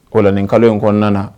Kɔin kalo in kɔnɔna na